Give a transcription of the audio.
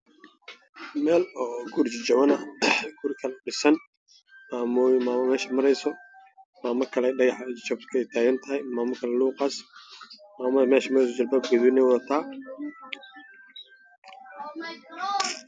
Meshan waa wado waxaa socdo naag wadato xijaab gaduud ah